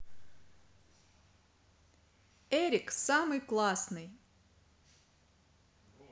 эрик самый классный